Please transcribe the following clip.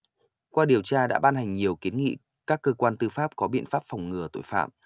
qua điều tra đã ban hành nhiều kiến nghị các cơ quan tư pháp có biện pháp phòng ngừa tội phạm